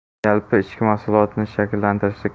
yalpi ichki mahsulotni shakllantirishda